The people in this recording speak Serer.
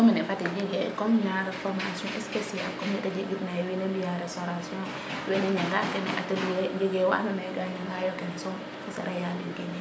So mene Fatick jege comme genre formation speciale comme nete jegit na wene mbiya restauration wene njanga kene jege wa ando naye ga njanga yo kene soom céréale lin kene yin